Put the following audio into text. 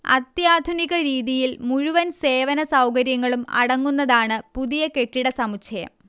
അത്യാധുനിക രീതിയിൽ മുഴുവൻ സേവന സൗകര്യങ്ങളും അടങ്ങുന്നതാണ് പുതിയ കെട്ടിടസമുച്ചയം